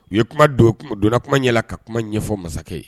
U ye kuma don donnana kuma yala ka kuma ɲɛfɔ mansakɛ ye